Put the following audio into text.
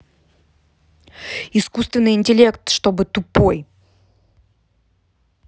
искусственный интеллект чтобы тупой